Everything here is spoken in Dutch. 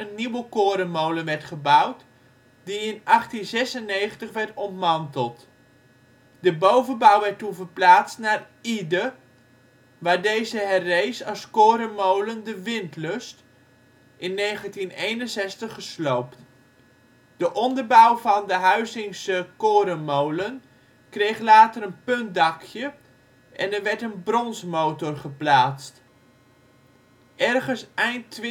nieuwe korenmolen werd gebouwd, die in 1896 werd ontmanteld. De bovenbouw werd toen verplaatst naar Yde, waar deze herrees als korenmolen De Windlust (in 1961 gesloopt). De onderbouw van de Huizingse korenmolen kreeg later een puntdakje en er werd een bronsmotor geplaatst. Ergens eind